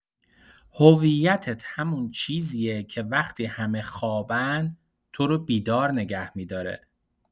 هویتت همون چیزیه که وقتی همه خوابن، تو رو بیدار نگه می‌داره.